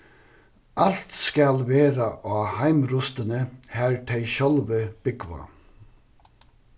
alt skal verða á heimrustini har tey sjálvi búgva